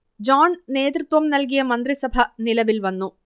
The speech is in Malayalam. ജോൺ നേതൃത്വം നൽകിയ മന്ത്രിസഭ നിലവിൽ വന്നു